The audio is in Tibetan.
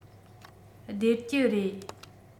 བདེ སྐྱིད རེད